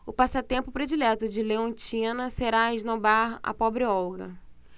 o passatempo predileto de leontina será esnobar a pobre olga